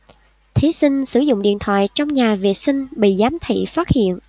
thí sinh sử dụng điện thoại trong nhà vệ sinh bị giám thị phát hiện